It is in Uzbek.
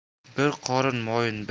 bir qorin moyni